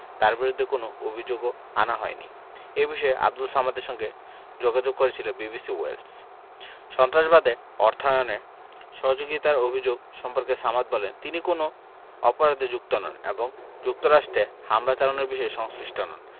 তাঁর বিরুদ্ধে কোনো অভিযোগও আনা হয়নি এ বিষয়ে আবদুল সামাদের সঙ্গে যোগাযোগ করেছিল বিবিসি ওয়েলস সন্ত্রাসবাদে অর্থায়নে সহযোগিতার অভিযোগ সম্পর্কে সামাদ বলেন তিনি কোনো অপরাধে যুক্ত নন এবং যুক্তরাষ্ট্রে হামলা চালানোর বিষয়ে সংশ্লিষ্ট নন